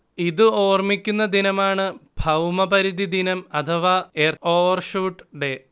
ഇത് ഓർമിക്കുന്ന ദിനമാണ് ഭൗമപരിധിദിനം അഥവാ എർത്ത് ഓവർ ഷൂട്ട് ഡേ